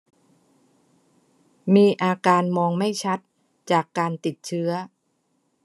มีอาการมองไม่ชัดจากการติดเชื้อ